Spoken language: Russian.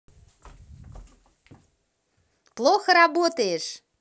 плохо работаешь